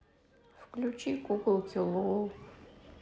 включи куколки лол